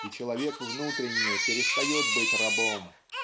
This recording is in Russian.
и человек внутренне перестает быть рабом.